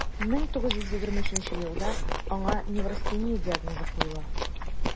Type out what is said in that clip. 1923 елда аңа неврастения диагнозы куела: